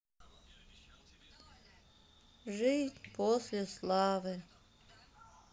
жизнь после славы